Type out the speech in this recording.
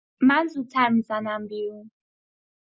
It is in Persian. من زودتر می‌زنم بیرون